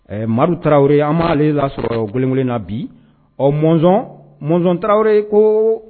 Ɛ taraweleraw an b'ale y'asɔrɔ gɛlɛn na bi ɔ mɔnzɔn mɔnzɔn tarawele ko